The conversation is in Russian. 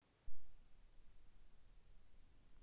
включить канал рыжий